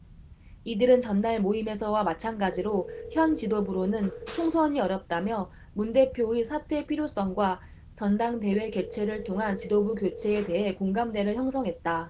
이들은 전날 모임에서와 마찬가지로 현 지도부로는 총선이 어렵다며 문 대표의 사퇴 필요성과 전당대회 개최를 통한 지도부 교체에 대해 공감대를 형성했다